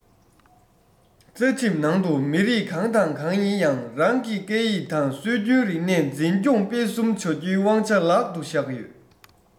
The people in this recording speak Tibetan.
རྩ ཁྲིམས ནང དུ མི རིགས གང དང གང ཡིན ཡང རང གི སྐད ཡིག དང སྲོལ རྒྱུན རིག གནས འཛིན སྐྱོང སྤེལ གསུམ བྱ རྒྱུའི དབང ཆ ལག ཏུ བཞག ཡོད